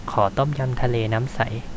ขอต้มยำทะเลน้ำใส